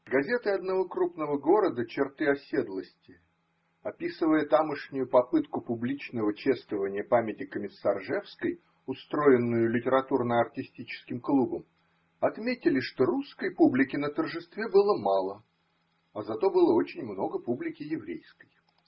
Газеты одного крупного города черты оседлости, описывая тамошнюю попытку публичного чествования памяти Комиссаржевской, устроенную литературно-артистическим клубом, отметили, что русской публики на торжестве было мало, а зато было очень много публики еврейской.